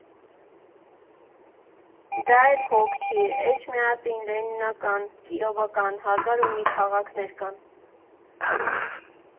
Դա էլ հոգ չի, Էջմիածին, Լենինական, Կիրովական, հազար ու մի քաղաքներ կան։